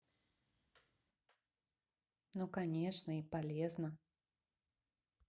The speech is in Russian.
ну конечно и полезно